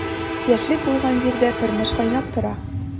Яшьлек булган җирдә тормыш кайнап тора.